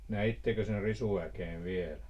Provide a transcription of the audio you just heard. näittekö sen risuäkeen vielä